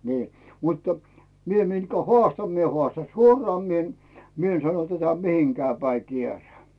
niin mutta minä mitkä haastan minä haastan suoraan minä en minä en sano tätä mihinkään päin kierään